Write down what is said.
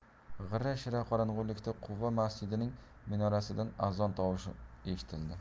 g'ira shira qorong'ilikda quva masjidining minorasidan azon tovushi eshitildi